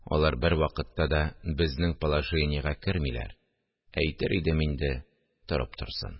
Алар бервакытта да безнең положениегә кермиләр, әйтер идем инде – торып торсын